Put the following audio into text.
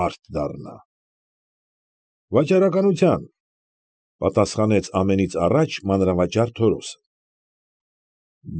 Մարդ դառնա։ ֊ Վաճառականության, ֊ պատասխանեց ամենից առաջ մանրավաճառ Թորոսը։ ֊